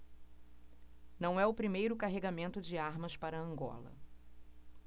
não é o primeiro carregamento de armas para angola